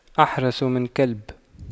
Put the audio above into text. أحرس من كلب